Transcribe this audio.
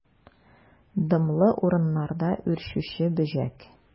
Дымлы урыннарда үрчүче бөҗәк.